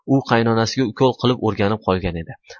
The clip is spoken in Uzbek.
u qaynonasiga ukol kilib o'rganib qolgan edi